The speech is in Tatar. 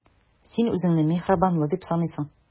Син үзеңне миһербанлы дип саныйсың.